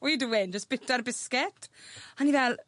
Wha' you doing jyst bita'r biscuit. A o'n i fel